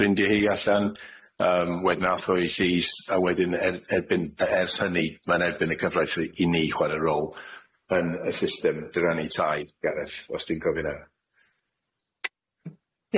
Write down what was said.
ffrindiau hi allan yym wedyn ath o i llys a wedyn er- erbyn yy ers hynny ma'n erbyn y cyfraith i i ni chware rôl yn y system dyranu tai Gareth os dwi'n cofio na.